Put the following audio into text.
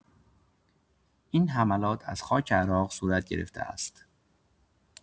این حملات از خاک عراق صورت گرفته است.